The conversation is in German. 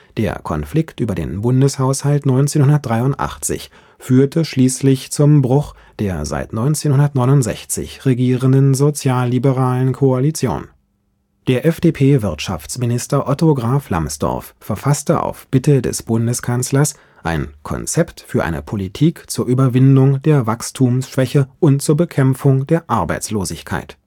Der Konflikt über den Bundeshaushalt 1983 führte schließlich zum Bruch der seit 1969 regierenden sozialliberalen Koalition: Der FDP-Wirtschaftsminister Otto Graf Lambsdorff verfasste auf Bitte des Bundeskanzlers ein „ Konzept für eine Politik zur Überwindung der Wachstumsschwäche und zur Bekämpfung der Arbeitslosigkeit